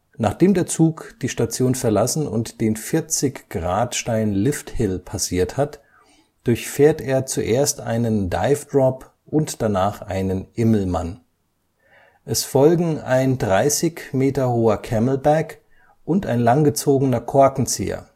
Nachdem der Zug die Station verlassen und den 40° steilen Lifthill passiert hat, durchfährt er zuerst einen Dive Drop und danach einen Immelmann. Es folgen ein 30 Meter hoher Camelback und ein langgezogener Korkenzieher